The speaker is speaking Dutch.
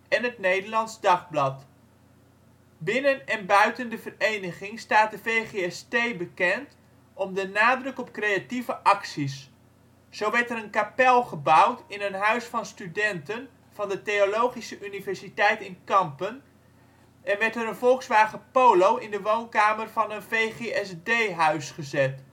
en het Nederlands Dagblad. Binnen en buiten de vereniging staat de VGST bekend om de nadruk op creatieve acties. Zo werd er een kapel gebouwd in een huis van studenten van de Theologische universiteit in Kampen en werd er een Volkswagen Polo in de woonkamer van een VGSD-huis gezet